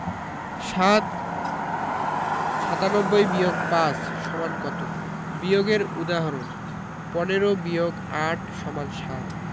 ৭ ৯৭-৫ = কত বিয়োগের উদাহরণঃ ১৫ – ৮ = ৭